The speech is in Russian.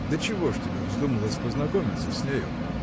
– Да что ж тебе вздумалось познакомиться с нею?